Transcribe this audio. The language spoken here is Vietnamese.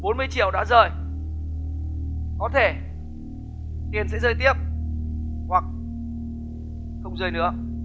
bốn mươi triệu đã rơi có thể tiền sẽ rơi tiếp hoặc không rơi nữa